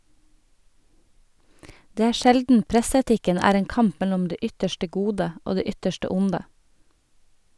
Det er sjelden presseetikken er en kamp mellom det ytterste gode og det ytterste onde.